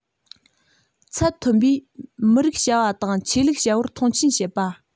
ཚད མཐོན པོས མི རིགས བྱ བ དང ཆོས ལུགས བྱ བར མཐོང ཆེན བྱེད པ